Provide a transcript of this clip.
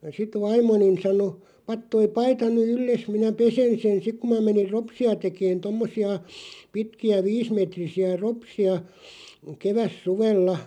sitten vaimoni sanoi pane tuo paita nyt yllesi minä pesen sen sitten kun minä menin ropseja tekemään tuommoisia pitkiä viisimetrisiä ropseja kevätsuvella